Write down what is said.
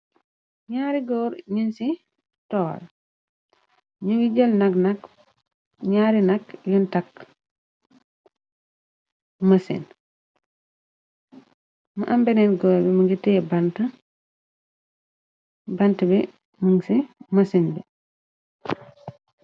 Ñaari góor nin ci tol ñu ngi jël nak nak ñaari nak yun tàkk mësin mu ambeneet goor bi mu ngi tee bant bi mung ci mësin bi.